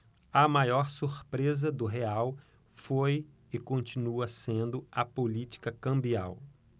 a maior surpresa do real foi e continua sendo a política cambial